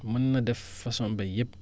mën na def façon mbay yépp